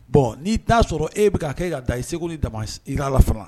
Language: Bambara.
Bɔn n'i t'a sɔrɔ e bɛ ka kɛ' da i segu ni damalafana